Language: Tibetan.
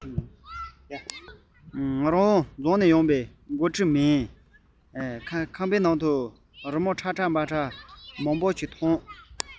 ལྷ དང ལྷ མོ སོགས ཀྱི རི མོ དཀར ཁྲ དམར ཁྲས ཁེངས བོད ཁང ཀུན ངའི མིག ནང དུ གཅིག ཏུ མཐོང ང རང རྫོང ནས ཡོང བའི མགོ ཁྲིད མིན